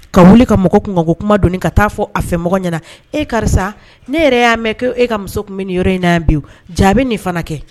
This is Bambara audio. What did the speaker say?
Ka wuli ka mɔgɔ kunko kuma don ka taaa fɔ a fɛ mɔgɔ ɲɛna e karisa ne yɛrɛ y'a mɛn ko e ka muso tun bɛ nin yɔrɔ in na yan bi jaabi nin fana kɛ